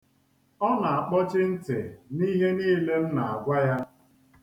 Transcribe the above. O na-akpọchi ntị n'ihe niile m na-agwa ya.